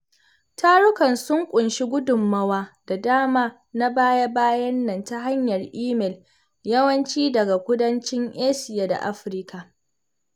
Tarukan sun ƙunshi gudunmawa da dama na baya bayan nan ta hanyar imel yawanci daga Kudancin Asia da Afirka.